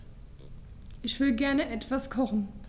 Ich will gerne etwas kochen.